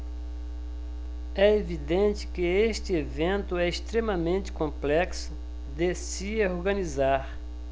é evidente que este evento é extremamente complexo de se organizar